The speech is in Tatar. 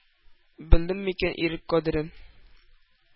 Белдем микән ирек кадерен